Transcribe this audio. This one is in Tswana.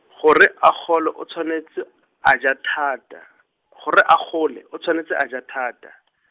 gore a golo o tshwanetse, a ja thata, gore a gole, o tshwanetse a ja thata.